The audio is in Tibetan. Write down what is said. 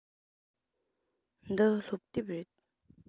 འདི སློབ དེབ རེད